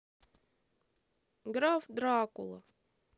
граф дракула